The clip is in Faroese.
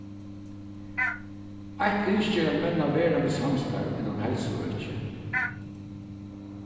eitt ynski er at menna verandi samstarv innan heilsuøki